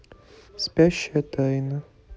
спящая тайна